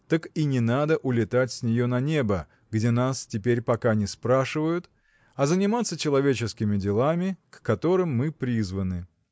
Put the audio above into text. так и не надо улетать с нее на небо где нас теперь пока не спрашивают а заниматься человеческими делами к которым мы призваны.